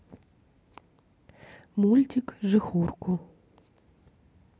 мультик жихурку